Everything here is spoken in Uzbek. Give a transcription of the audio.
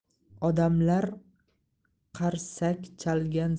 odamlar qarsak chalgan